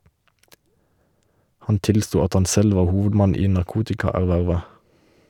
Han tilsto at han selv var hovedmann i narkotikaervervet.